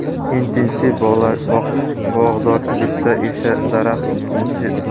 intensiv bog'dorchilikda esa daraxt